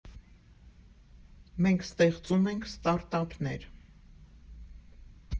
«Մենք ստեղծում ենք ստարտափներ»։